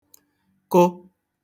kụ